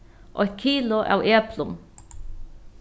eitt kilo av eplum